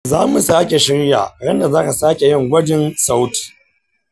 zamu sake shirya randa zaka sake yin gwajin sauti.